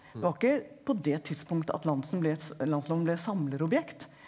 det var ikke på det tidspunktet at ble Landsloven ble samlerobjekt.